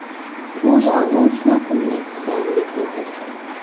go'yo u shu kunni kutgandek edi